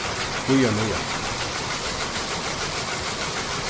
bíða nú altso